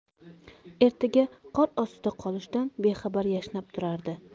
ertaga qor ostida qolishidan bexabar yashnab turardi